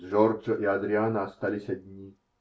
Джорджо и Адриана остались одни.